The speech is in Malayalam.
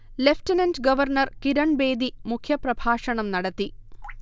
ലഫ്റ്റ്നന്റ് ഗവർണർ കിരൺബേദി മുഖ്യ പ്രഭാഷണം നടത്തി